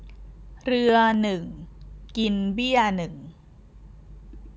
เรือหนึ่งกินเบี้ยหนึ่ง